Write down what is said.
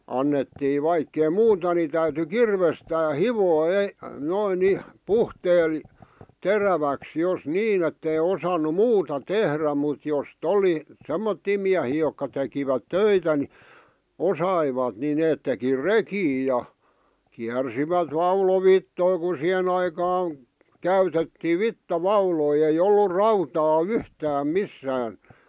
annettiin vaikka ei muuta niin täytyi kirvestään hioa - noin niin puhteella teräväksi jos niin että ei osannut muuta tehdä mutta jos oli semmoisia miehiä jotka tekivät töitä niin osasivat niin ne teki rekiä ja kiersivät vaulovitsoja kun siihen aikaan käytettiin vitsavauloja ei ollut rautaa yhtään missään